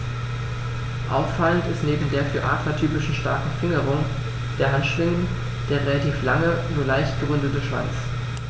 Auffallend ist neben der für Adler typischen starken Fingerung der Handschwingen der relativ lange, nur leicht gerundete Schwanz.